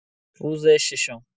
روز ششم